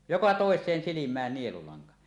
joka toiseen silmään nielulanka